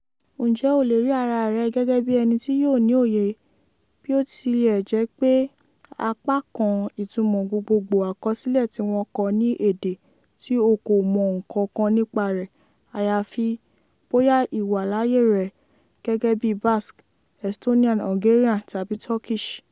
Ǹjẹ́ o lè rí ara rẹ gẹ́gẹ́ bí ẹni tí yóò ní òye - bí ó tiẹ̀ jẹ́ apá kan-ìtumọ̀ gbogbogbò àkọsílẹ̀ tí wọ́n kọ ní èdè tí o kò mọ nǹkan kan nípa rẹ̀ (àyàfi bóyá ìwà láyé rẹ̀) gẹ́gẹ́ bí Basque, Estonian, Hungarian tàbí Turkish?